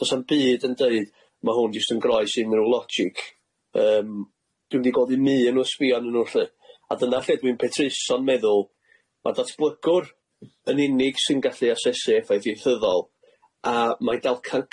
Do's na'm byd yn deud ma' hwn jyst yn groes unrhyw logic yym dwi'n mynd i goddi myn' o sbïo arnyn n'w lly a dyna lle dwi'n petruso'n meddwl ma'r datblygwr yn unig sy'n gallu asesu effaith ieithyddol a mae dalcan